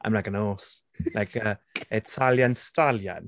I'm like an horse. Like a Italian stallion.